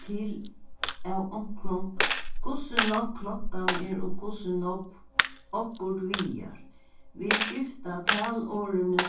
til av onkrum hvussu nógv klokkan er og hvussu nógv okkurt vigar vit skifta talorðini